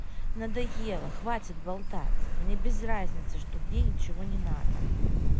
надоело хватит болтать мне без разницы что мне ничего не надо